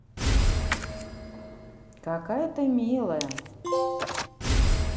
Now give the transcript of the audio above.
какая ты милая